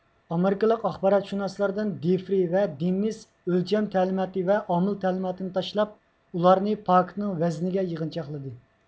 ئامېرىكىلىق ئاخباراتشۇناسلاردىن دېفرې ۋە دېننىس ئۆلچەم تەلىماتى ۋە ئامىل تەلىماتىنى تاشلاپ ئۇلارنى پاكىتنىڭ ۋەزنىگە يىغىنچاقلىدى